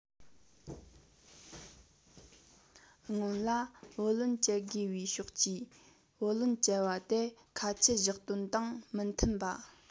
སྔོན ལ བུ ལོན འཇལ དགོས པའི ཕྱོགས ཀྱིས བུ ལོན བཅལ བ དེ ཁ ཆད བཞག དོན དང མི མཐུན པ